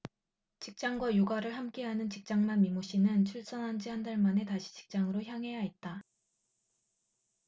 직장과 육아를 함께하는 직장맘 이모씨는 출산한지 한 달 만에 다시 직장으로 향해야 했다